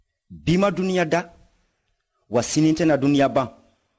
bi ma duɲa da wa sini tɛna duɲa ban